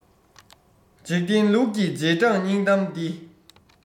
འཇིག རྟེན ལུགས ཀྱི རྗེས འབྲང སྙིང གཏམ འདི